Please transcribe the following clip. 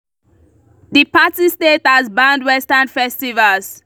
4. The party-state has banned Western festivals.